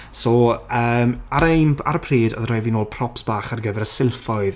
So yym ar ein- ar y pryd oedd rhaid fi nôl props bach ar gyfer y silffoedd...